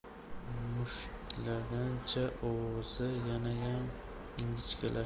mushtlagancha ovozi yanayam ingichkalashib